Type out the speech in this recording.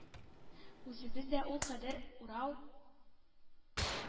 Үзебез дә ул кадәр урау,